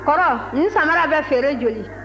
kɔrɔ nin sabara bɛ feere joli